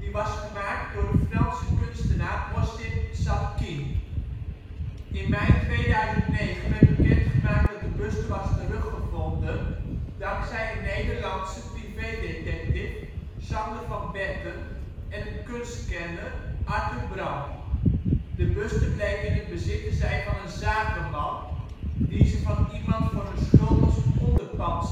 was gemaakt door de Franse kunstenaar Ossip Zadkine. In mei 2009 werd bekend gemaakt dat de buste was teruggevonden dankzij een Nederlandse privédetective, Sander van Betten, en een kunstkenner, Arthur Brand. De buste bleek in het bezit te zijn van een zakenman die ze van iemand voor een schuld als onderpand